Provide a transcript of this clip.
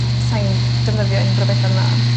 sai'n ddefnyddio unryw beth fel 'na.